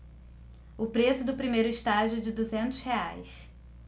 o preço do primeiro estágio é de duzentos reais